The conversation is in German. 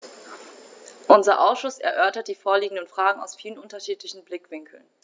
Unser Ausschuss erörtert die vorliegenden Fragen aus vielen unterschiedlichen Blickwinkeln.